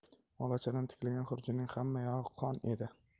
olachadan tikilgan xurjunning hammayog'i qon edi